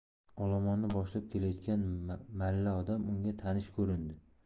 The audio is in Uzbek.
olomonni boshlab kelayotgan malla odam unga tanish ko'rindi